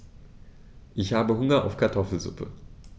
Ich habe Hunger auf Kartoffelsuppe.